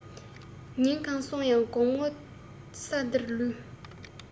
ཉིན གང སོང ཡང དགོང མོ ས དེར ལུས